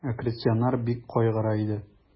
Крестьяннар бик кайгыра иде.